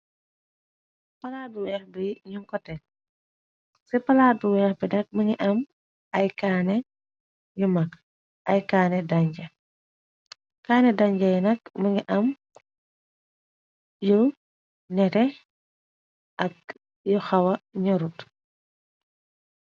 Palaatu weex bi ñu nkotek ci palaabu weex bi nag mi ngi am ay kaane yu mag ay kaane danje kaane danjey nag mi ngi am yu nete ak yu xawa ñëte.